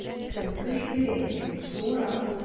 Кем көч бирә, кем суыра.